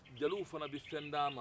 jeliw fɛnɛ bɛ fɛn d'a ma